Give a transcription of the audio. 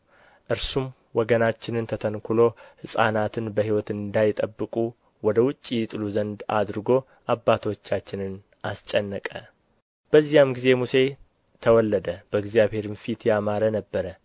እርሱም ወገናችንን ተተንኵሎ ሕፃናትን በሕይወት እንዳይጠብቁ ወደ ውጭ ይጥሉ ዘንድ አድርጎ አባቶቻችንን አስጨነቀ በዚያን ጊዜ ሙሴ ተወለደ በእግዚአብሔርም ፊት ያማረ ነበር